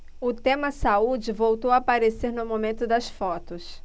o tema saúde voltou a aparecer no momento das fotos